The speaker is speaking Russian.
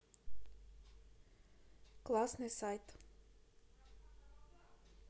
классный сайт